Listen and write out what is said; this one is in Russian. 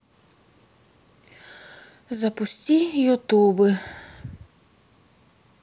запусти ютубы